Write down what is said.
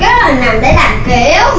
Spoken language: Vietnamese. cái đó là nằm để làm kiểu